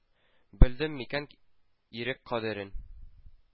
Белдем микән ирек кадерен